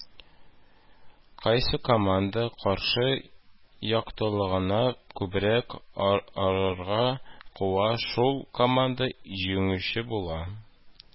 Кайсы команда каршы яктагыларны күбрәк арага куа, шул команда җиңүче була